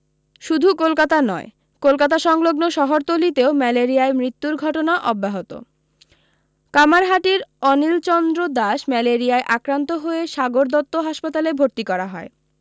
শুধু কলকাতা নয় কলকাতা সংলগ্ন শহরতলীতেও ম্যালেরিয়ায় মৃত্যুর ঘটনা অব্যাহত কামারহাটির অনিলচন্দ্র দাস ম্যালেরিয়ায় আক্রান্ত হয়ে সাগর দত্ত হাসপাতালে ভর্তি করা হয়